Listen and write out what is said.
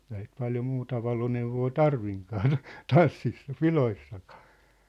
eihän sitä paljon muuta valoneuvoa tarvitakaan - tansseissa pidoissakaan